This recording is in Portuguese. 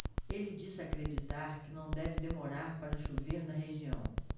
ele disse acreditar que não deve demorar para chover na região